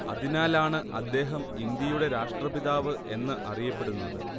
അതിനാലാണ് അദ്ദേഹം ഇന്ത്യയുടെ രാഷ്ട്രപിതാവ് എന്ന് അറിയപ്പെടുന്നത്